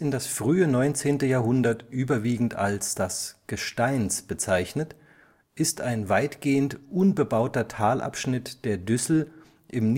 das frühe 19. Jahrhundert überwiegend als das Gesteins bezeichnet, ist ein weitgehend unbebauter Talabschnitt der Düssel im